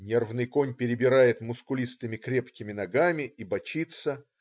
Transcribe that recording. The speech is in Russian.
Нервный конь перебирает мускулистыми, крепкими ногами и бочится.